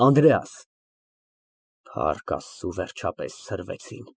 ԱՆԴՐԵԱՍ ֊ Փառք Աստծո, վերջապես ցրվեցին։